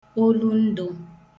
olundụ̄